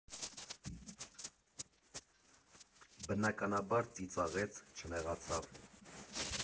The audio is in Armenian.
Բնականաբար ծիծաղեց, չնեղացավ։